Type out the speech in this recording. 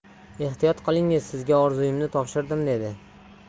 ehtiyot qilingiz sizga orzuyimni topshirdim dedi